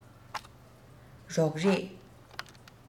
རོགས རེས